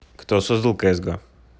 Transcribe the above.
кто создал cs go